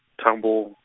Thabong.